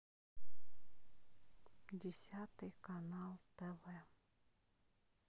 десятый канал тв